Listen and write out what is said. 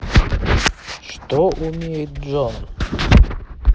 что умеет джон